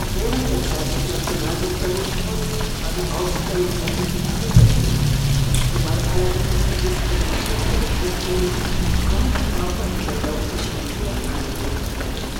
während der Zeit des Nationalsozialismus war die Ausstellung öffentlich zugänglich, wobei allerdings die diskreditierende Beschriftung „ Fremdkörper in der Deutschen Kultur “angebracht wurde